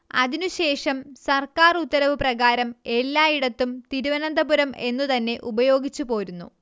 അതിനു ശേഷം സർക്കാർ ഉത്തരവു പ്രകാരം എല്ലായിടത്തും തിരുവനന്തപുരം എന്നുതന്നെ ഉപയോഗിച്ചുപോരുന്നു